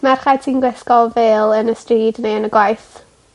merched sy'n gwisgo vale yn y stryd neu yn y gwaith.